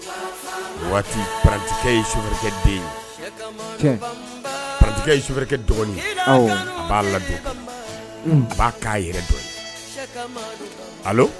Waatikɛ sukɛ den yetikɛ ye sukɛ dɔgɔnin aw b'a la ba k'a yɛrɛ dɔ ye